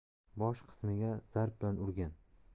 bosh qismiga zarb bilan urgan